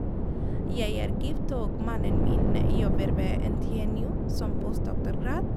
Jeg er gift, og mannen min jobber ved NTNU som postdoktorgrad.